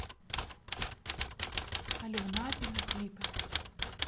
алена апина клипы